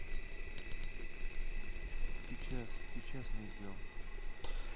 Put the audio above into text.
сейчас сейчас найдем